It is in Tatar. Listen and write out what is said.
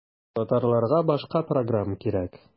Татарларга башка программ кирәк.